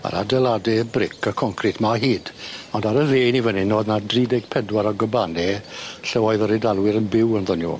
Ma'r adeilade bric a concrit 'ma o hyd ond ar y dde i ni fyn 'yn o'dd 'na dri deg pedwar o gabane lle oedd yr Eidalwyr yn byw yndion nw.